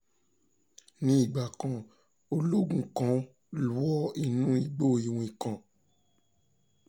Ní ìgbà kan, ológun kan wọ inú igbó iwin kan.